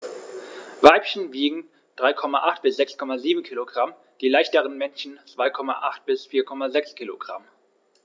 Weibchen wiegen 3,8 bis 6,7 kg, die leichteren Männchen 2,8 bis 4,6 kg.